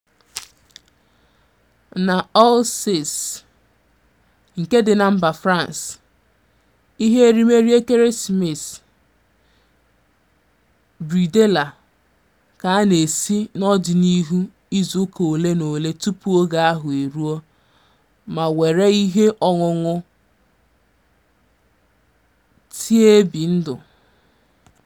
N'Alsace nke dị na mba France, ihe erimeri ekeresimesi, bredela ka a na-esi n'ọdịnihu izuụka ole na ole tupu oge ahụ eruo ma wéré ihe ọṅụṅụ tịi ebi ndụ.